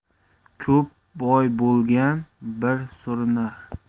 ko'p boy bo'lgan bir surinar